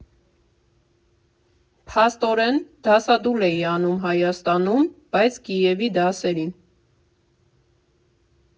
Փաստորեն, դասադուլ էի անում Հայաստանում, բայց Կիևի դասերին։